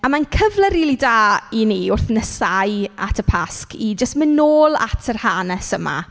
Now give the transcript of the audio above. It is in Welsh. A mae'n cyfle rili da i ni wrth nesáu at y Pasg i jyst mynd nôl at yr hanes yma.